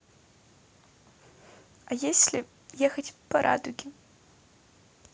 а если ехать по радуге